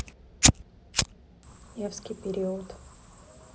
невский период